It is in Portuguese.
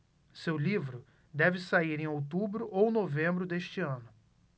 seu livro deve sair em outubro ou novembro deste ano